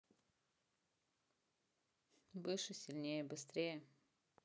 выше сильнее быстрее